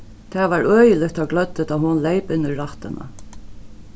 tað var øgiligt teir gløddu tá hon leyp inn í rættina